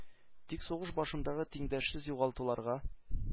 Тик сугыш башындагы тиңдәшсез югалтуларга,